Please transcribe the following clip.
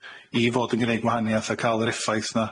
i fod yn gneud gwahaniaeth, a ga'l yr effaith 'na